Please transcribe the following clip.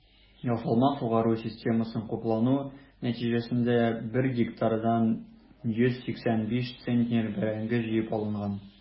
Ясалма сугару системасын куллану нәтиҗәсендә 1 гектардан 185 центнер бәрәңге җыеп алынган.